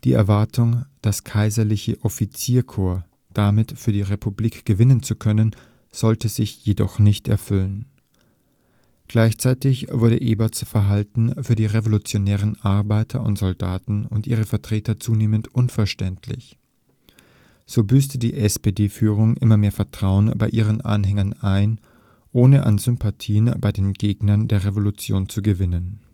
Erwartung, das kaiserliche Offizierskorps damit für die Republik gewinnen zu können, sollte sich jedoch nicht erfüllen. Gleichzeitig wurde Eberts Verhalten für die revolutionären Arbeiter und Soldaten und ihre Vertreter zunehmend unverständlich. So büßte die SPD-Führung immer mehr Vertrauen bei ihren Anhängern ein, ohne an Sympathien bei den Gegnern der Revolution zu gewinnen